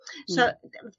So